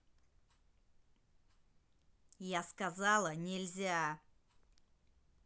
я сказала нельзя